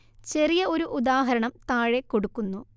ചെറിയ ഒരു ഉദാഹരണം താഴെ കൊടുക്കുന്നു